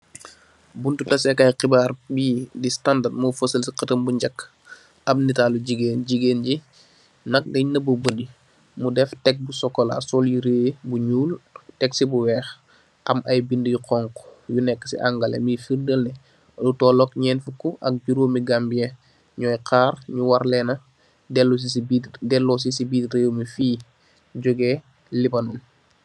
Buntu taseh kaiye khibar bi dị standard mùi faseh si katam bu nǰekeh, am natalu jïgen mùi nobo botam mù def teg chocola, chol yereh yu nyul teg si luweh. Am ayi bindi yu konka muneka sì anglais, lu tolo nyenent ak jurom fuku gambienne war Lena delo si bìr rèèw mi fi